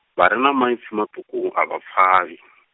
vha rena maipfi maṱuku a vha pfali .